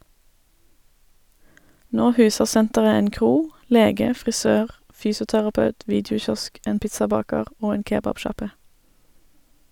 Nå huser senteret en kro, lege, frisør, fysioterapeut, videokiosk, en pizzabaker og en kebabsjappe.